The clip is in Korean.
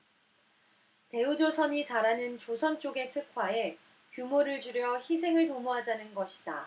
대우조선이 잘하는 조선 쪽에 특화해 규모를 줄여 회생을 도모하자는 것이다